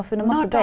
når da ?